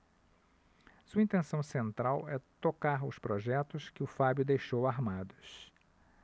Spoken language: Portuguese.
sua intenção central é tocar os projetos que o fábio deixou armados